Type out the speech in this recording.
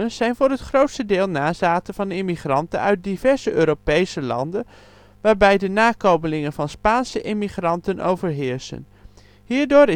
zijn voor het grootste deel nazaten van immigranten uit diverse Europese landen, waarbij de nakomelingen Spaanse immigranten overheersen. Hierdoor